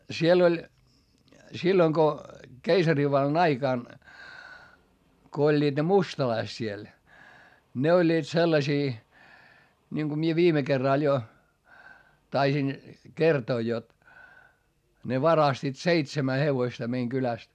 siellä oli silloin kun keisarivallan aikana kun olivat ne mustalaiset siellä ne olivat sellaisia niin kun minä viime kerralla jo taisin kertoa jotta ne varastivat seitsemän hevosta meidän kylästä